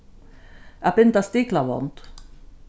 at binda stiklavond